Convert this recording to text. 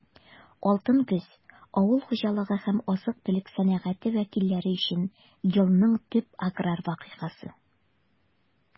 «алтын көз» - авыл хуҗалыгы һәм азык-төлек сәнәгате вәкилләре өчен елның төп аграр вакыйгасы.